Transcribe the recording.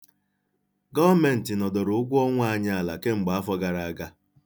Gọọmentị nọdoro ụgwọọnwa anyị ala kemgbe afọ gara aga.